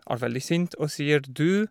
Du.